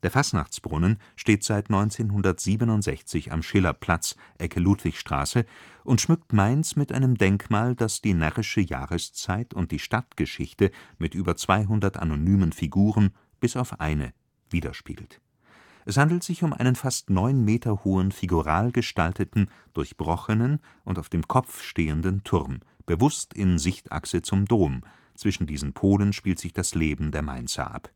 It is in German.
Fastnachtsbrunnen steht seit 1967 am Schillerplatz (Ecke Ludwigsstraße) und schmückt Mainz mit einem Denkmal, das die närrische Jahreszeit und die Stadtgeschichte mit über 200 anonymen Figuren – bis auf eine – widerspiegelt. Es handelt sich um einen fast neun Meter hohen, figural gestalteten, durchbrochenen und auf dem Kopf stehenden Turm, bewußt in Sichtachse zum Dom: zwischen diesen Polen spielt sich das Leben der Mainzer ab